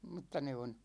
mutta ne on